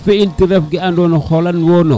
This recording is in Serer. o fi in te ref ke ando na xolan wono